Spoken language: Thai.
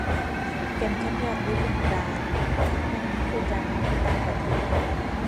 Grand Canyon อยู่บึงกาฬ มันคือจั่งต่างประเทศ